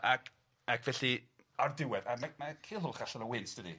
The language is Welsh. Ac ac felly o'r diwedd a mae ma' Culhwch allan o wynt dydi?